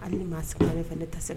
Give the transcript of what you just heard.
Hali ni maa saba fɛ ne tɛ se